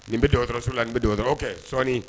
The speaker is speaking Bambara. Nin bɛ docteur so la, nin bɛ docteur so la ok sɔɔni